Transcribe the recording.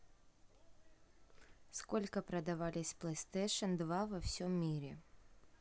сколько продавались playstation два во всем мире